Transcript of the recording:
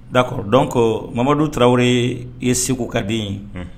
Dakɔrɔ dɔn ko mamadu tarawele ye segu ka den ye